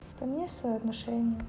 поменяй свое отношение